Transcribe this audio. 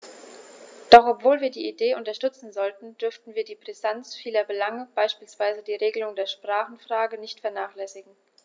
Doch obwohl wir die Idee unterstützen sollten, dürfen wir die Brisanz vieler Belange, beispielsweise die Regelung der Sprachenfrage, nicht vernachlässigen.